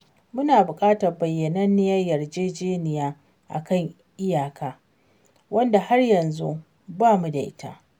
Muna buƙatar bayyananniyar yarjejeniya a kan iyaka, wadda har yanzu ba mu da ita.